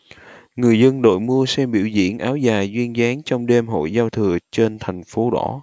người dân đội mưa xem biểu diễn áo dài duyên dáng trong đêm hội giao thừa trên thành phố đỏ